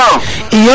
waaw